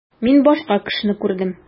Мин башка кешене күрдем.